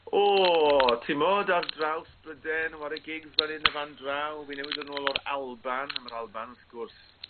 O ti'mod ar draws bryden 'ware gigs fan 'yn a fan draw fi newydd ddo' nôl o'r Alban a ma'r Alban w'th gwrs